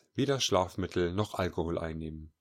Weder Schlafmittel noch Alkohol einnehmen